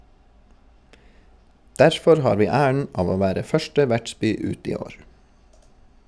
Derfor har vi æren av å være første vertsby ut i år.